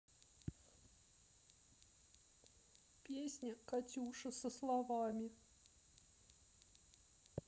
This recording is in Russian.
песня катюша со словами